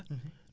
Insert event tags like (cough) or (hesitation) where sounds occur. (hesitation) (hesitation)